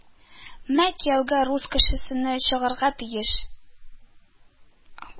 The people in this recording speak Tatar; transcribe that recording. Ма кияүгә рус кешесенә чыгарга тиеш